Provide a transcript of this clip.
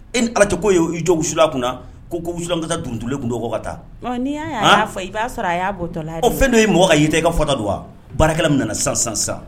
E ni allah cɛ k'o ye i jɔ wusulan kunna ko ko wusulan kasa la duruntulen tun don o kɔ ka taa, ɔ n'i y'a ye , a y'a fɔ, i b'a sɔrɔ a y'a bɔtɔla ye, o fɛn dɔ ye mɔgɔ ka ye ta, i ka fɔta don wa? Baarakɛla min nana sisan sisan!